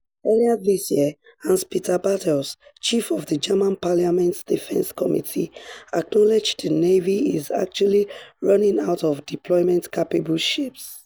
Earlier this year, Hans-Peter Bartels, chief of the German parliament's defense committee, acknowledged the Navy is actually "running out of deployment-capable ships."